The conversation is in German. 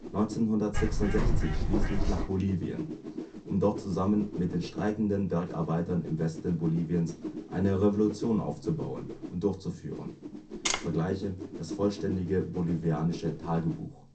1966 schließlich nach Bolivien, um dort zusammen mit den streikenden Bergarbeitern im Westen Boliviens eine Revolution aufzubauen und durchzuführen (vgl. Das vollständige Bolivianische Tagebuch